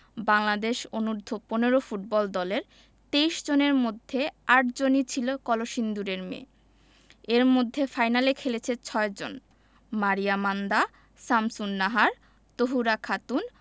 বাংলাদেশ অনূর্ধ্ব ১৫ ফুটবল দলের ২৩ জনের মধ্যে ৮ জনই ছিল কলসিন্দুরের মেয়ে এর মধ্যে ফাইনালে খেলেছে ৬ জন মারিয়া মান্দা শামসুন্নাহার তহুরা খাতুন